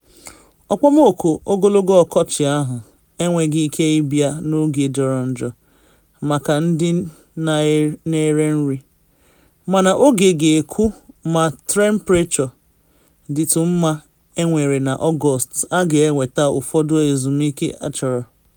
Okpomọkụ ogologo ọkọchị ahụ enweghị ike ịbịa n’oge jọrọ njọ maka ndị na ere nri, mana oge ga-ekwu ma temprechọ dịtụ mma enwere na Ọgọst a ga-eweta ụfọdụ ezumike achọrọ.”